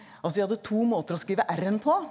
altså de hadde to måter å skrive R-en på.